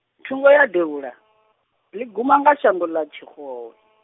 thungo ya devhuḽa , ḽi guma nga shango ḽa Tshixowe.